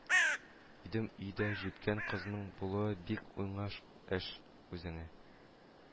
Идем, өйдә җиткән кызның булуы бик уңаш эш, үзеңә